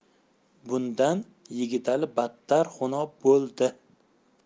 bundan yigitali battar xunob bo'ldi